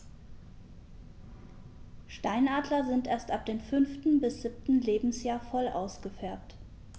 Steinadler sind erst ab dem 5. bis 7. Lebensjahr voll ausgefärbt.